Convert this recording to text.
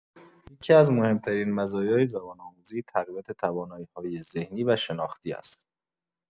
یکی‌از مهم‌ترین مزایای زبان‌آموزی، تقویت توانایی‌های ذهنی و شناختی است.